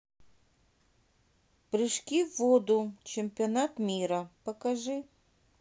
прыжки в воду чемпионат мира покажи